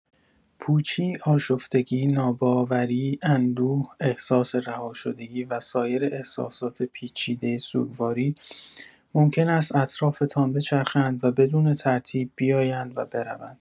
پوچی، آشفتگی، ناباوری، اندوه، احساس رهاشدگی و سایر احساسات پیچیده سوگواری ممکن است اطرافتان بچرخند و بدون ترتیب بیایند و بروند.